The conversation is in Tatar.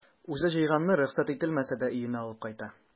Үзе җыйганны рөхсәт ителмәсә дә өенә алып кайта.